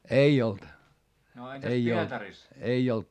ei ollut ei ollut